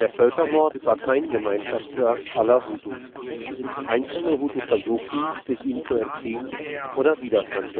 Völkermord war kein Gemeinschaftswerk aller Hutu. Einzelne Hutu versuchten, sich ihm zu entziehen, oder leisteten Widerstand